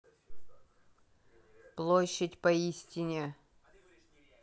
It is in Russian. площадь поистине